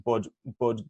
bod bod